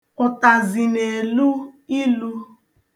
Ụtazị na-elu ilu.